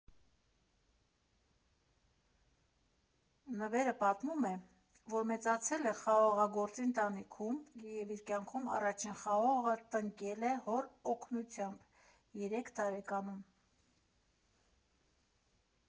Նվերը պատմում է, որ մեծացել է խաղողագործի ընտանիքում և իր կյանքում առաջին խաղողը տնկել է հոր օգնությամբ՝ երեք տարեկանում։